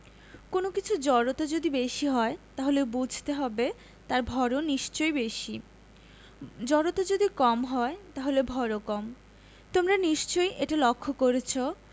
কোনো কিছুর জড়তা যদি বেশি হয় তাহলে বুঝতে হবে তার ভরও নিশ্চয়ই বেশি জড়তা যদি কম হয় তাহলে ভরও কম তোমরা নিশ্চয়ই এটা লক্ষ করেছ